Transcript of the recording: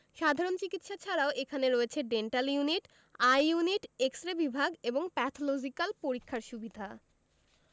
সাধারণ চিকিৎসা ছাড়াও এখানে রয়েছে dental unit eye unit X ray বিভাগ এবং প্যাথলজিক্যাল পরীক্ষার সুবিধা